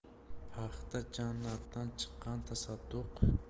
paxta jannatdan chiqqan tasadduq